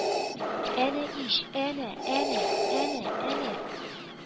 -әнә ич, әнә, әнә, әнә, әнә!